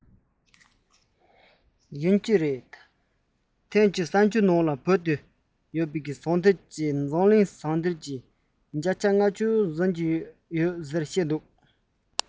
ཡིན གྱི རེད ཐེངས གཅིག གསར འགྱུར ནང དུ བོད དུ ཡོད པའི ཟངས གཏེར གྱིས འཛམ གླིང ཟངས གཏེར གྱི བརྒྱ ཆ ལྔ བཅུ ཟིན གྱི ཡོད ཟེར བཤད འདུག